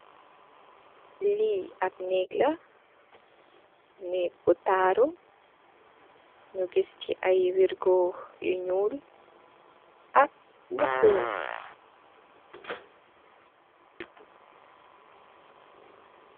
Li ap nekka la, nèk bu taaru ñi gis ci ay wirgo yu ñuul ak bu xoon.